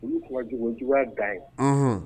Olu tun jjuguya dan ye